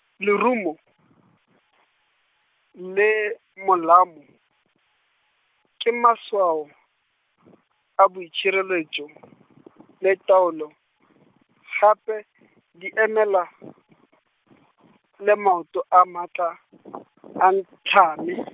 lerumo, le molamo, ke maswao , a boitšhireletšo, le taolo, gape di emela, le maoto a maatla, a tlhame.